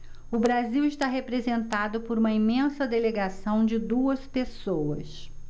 o brasil está representado por uma imensa delegação de duas pessoas